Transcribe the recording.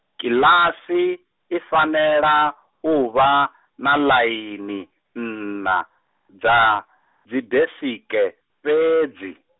kiḽasi, i fanela, u vha, na ḽaini, nṋa, dza, dzidesike, fhedzi.